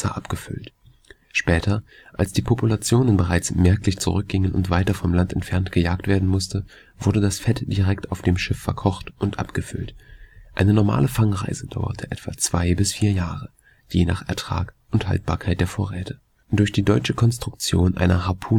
abgefüllt. Später, als die Populationen bereits merklich zurückgingen und weiter vom Land entfernt gejagt werden musste, wurde das Fett direkt auf dem Schiff verkocht und abgefüllt. Eine normale Fangreise dauerte etwa zwei bis vier Jahre, je nach Ertrag und Haltbarkeit der Vorräte. Durch die deutsche Konstruktion einer Harpunenkanone